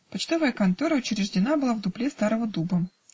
Почтовая контора учреждена была в дупле старого дуба.